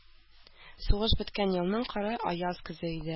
Сугыш беткән елның коры, аяз көзе иде.